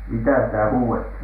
mitä sitä huudettiin